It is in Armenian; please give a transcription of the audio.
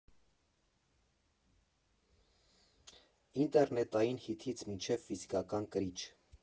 Ինտերնետային հիթից մինչև ֆիզիկական կրիչ։